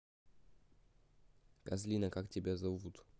козлина как тебя зовут